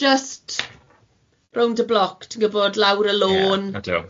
Jyst rownd y bloc ti'n gwbod lawr y lon, lan...